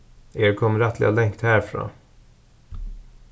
eg eri komin rættiliga langt harfrá